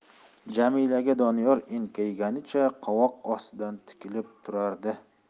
jamilaga doniyor enkayganicha qovoq ostidan tikilib o'tardi